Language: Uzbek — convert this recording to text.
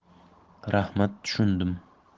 rahmat tushundim